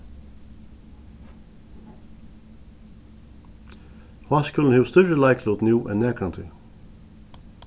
háskúlin hevur størri leiklut nú enn nakrantíð